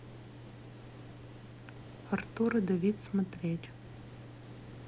артур и давид смотреть